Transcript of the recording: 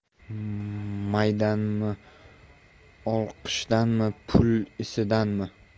maydanmi olqishdanmi pul isidanmi